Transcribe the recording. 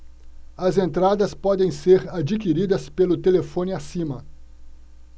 as entradas podem ser adquiridas pelo telefone acima